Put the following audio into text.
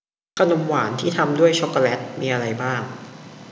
ขนมหวานที่ทำด้วยช็อกโกแลตมีอะไรบ้าง